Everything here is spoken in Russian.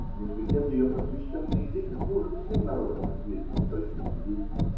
– а между тем ее просвещенные дети служат всем народам на свете, только не ей.